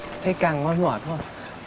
thấy căng quá mệt quá